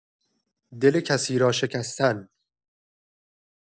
دل کسی را شکستن